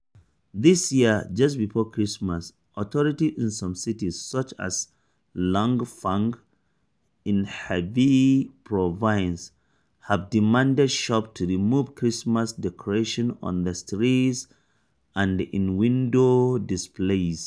This year, just before Christmas, authorities in some cities such as Langfang, in Hebei province, have demanded shops to remove Christmas decorations on the streets and in window displays.